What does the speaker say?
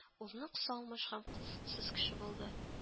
Ул нык салмыш һәм колфыксыз кеше булды